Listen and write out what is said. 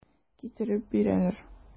Китереп бирәләр.